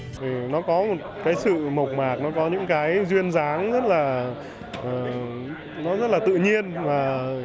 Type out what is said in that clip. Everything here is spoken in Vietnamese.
vì nó có cái sự mộc mạc nối vào những cái duyên dáng nhất là nó rất là tự nhiên và